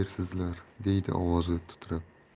dersizlar deydi ovozi titrab